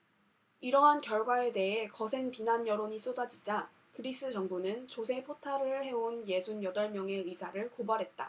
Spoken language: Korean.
이러한 결과에 대해 거센 비난 여론이 쏟아지자 그리스 정부는 조세 포탈을 해온 예순 여덟 명의 의사를 고발했다